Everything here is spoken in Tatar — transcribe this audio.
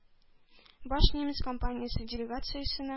Блш немец компаниясе делегациясенә,